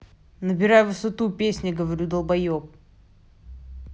набираю высоту песня говорю долбоеб